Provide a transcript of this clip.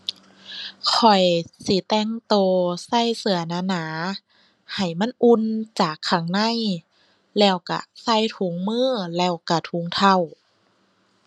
ข้อยสิแต่งตัวใส่เสื้อหนาหนาให้มันอุ่นจากข้างใน แล้วตัวใส่ถุงมือ แล้วตัวถุงเท้า